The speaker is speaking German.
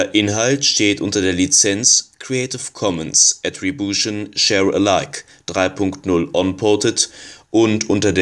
Inhalt steht unter der Lizenz Creative Commons Attribution Share Alike 3 Punkt 0 Unported und unter